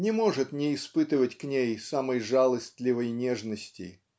не может не испытывать к ней самой жалостливой нежности